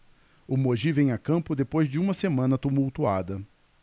o mogi vem a campo depois de uma semana tumultuada